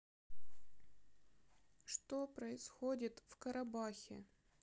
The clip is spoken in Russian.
что происходит в карабахе